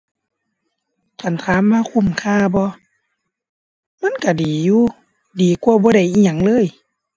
คันถามว่าคุ้มค่าบ่ มันก็ดีอยู่ ดีกว่าบ่ได้อิหยังเลย